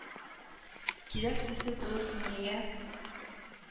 Кирәк төсле булыр күңелеңә